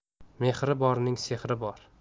mehri borning sehri bor